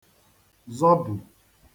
zọbù